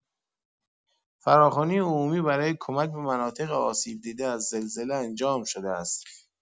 فراخوانی عمومی برای کمک به مناطق آسیب‌دیده از زلزله انجام شده است.